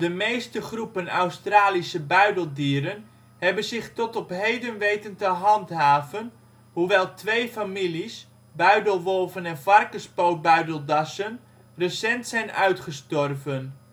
meeste groepen Australische buideldieren hebben zich tot op heden weten te handhaven, hoewel twee families (buidelwolven en varkenspootbuideldassen) recent zijn uitgestorven